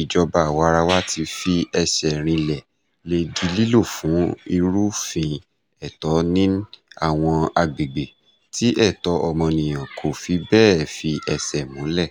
ìjọba àwa-arawa ti fi ẹsẹ̀ rinlẹ̀ lè di lílò fún ìrúfin ẹ̀tọ́ ní àwọn agbègbè tí ẹ̀tọ́ ọmọnìyàn kò fi bẹ́ẹ̀ fi ẹsẹ̀ múlẹ̀.